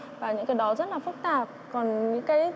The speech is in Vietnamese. và những cái đó rất là phức tạp còn những cái